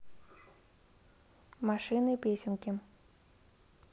машины песенки